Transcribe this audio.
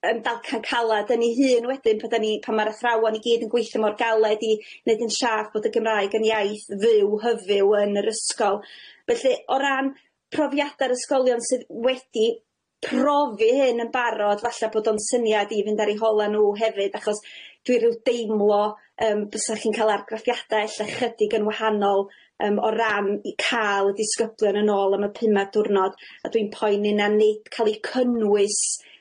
yn dalcan calad yn ei hun wedyn pan 'dan ni pan ma'r athrawon i gyd yn gweitho mor galed i neud yn saff bod y Gymraeg yn iaith fyw hyfyw yn yr ysgol, felly o ran profiada'r ysgolion sydd wedi profi hyn yn barod falla bod o'n syniad i fynd ar eu hola' nhw hefyd achos dwi'n ryw deimlo yym bysach chi'n ca'l argraffiada ella chydig yn wahanol yym o ran ca'l y disgyblion yn ôl am y pumad diwrnod a dwi'n poeni na nid ca'l i cynnwys